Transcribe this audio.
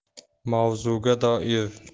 mavzuga doir